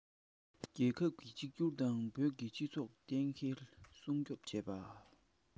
རྒྱལ ཁབ ཀྱི གཅིག གྱུར དང བོད ཀྱི སྤྱི ཚོགས བརྟན ལྷིང སྲུང སྐྱོང བྱས པ